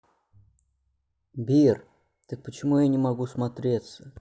beer так почему я не могу смотреться